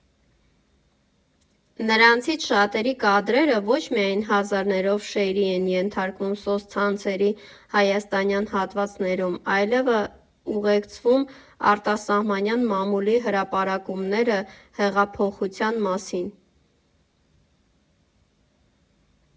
Նրանցից շատերի կադրերը ոչ միայն հազարներով շեյրի էին ենթարկվում սոցցանցերի հայաստանյան հատվածներում, այլև ուղեկցում արտասահմանյան մամուլի հրապարակումները հեղափոխության մասին։